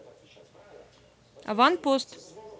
аванпост